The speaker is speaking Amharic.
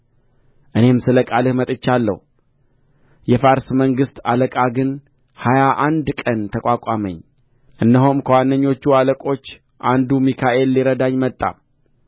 እኔም ስለ ቃልህ መጥቻለሁ የፋርስ መንግሥት አለቃ ግን ሀያ አንድ ቀን ተቋቋመኝ እነሆም ከዋነኞቹ አለቆች አንዱ ሚካኤል ሊረዳኝ መጣ